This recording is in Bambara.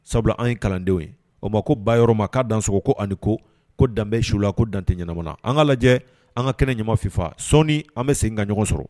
Sabula an ye kalandenw ye o ma ko ba yɔrɔ ma k'a dan sogo ko ani ko ko dan su la ko dantɛ ɲɛnamana an ka lajɛ an ka kɛnɛ ɲamafinfa sɔɔni an bɛ sen n ka ɲɔgɔn sɔrɔ